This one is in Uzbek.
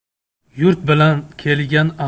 yurt bilan kelgan